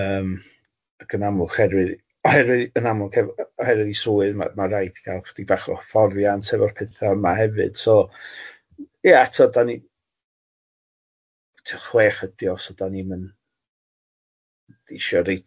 Yym ac yn amlwg ocherwydd- oherwydd yn amlwg o cef- oherwydd ei swydd ma' ma' raid cael ychydig bach o hyfforddiant efo'r petha yma hefyd so ie tibod dan ni tibod chwech ydi o so dan ni'm yn isio reid